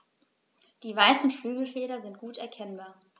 Die weißen Flügelfelder sind gut erkennbar.